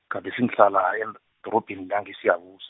gadesi ngihlala, enda- edorobheni langeSiyabus-.